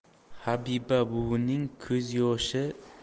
habiba buvining ko'z yoshi